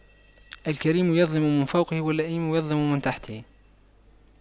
الكريم يظلم من فوقه واللئيم يظلم من تحته